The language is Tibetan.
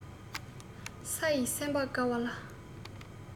ས ཡིས སེམས པ དགའ བ ལ